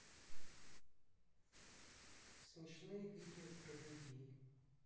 смешные видео про людей